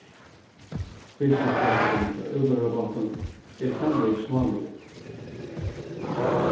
fiskiskapurin hjá útróðrarbátum er framvegis smáligur